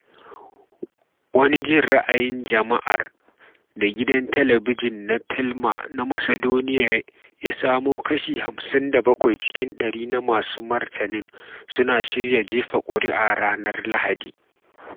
Wani jin ra’ayin jama’ar, da gidan talabijin na Telma na Macedonia, ya samo kashi 57 cikin ɗari na masu martanin suna shirya jefa kuri’ar ranar Lahadi.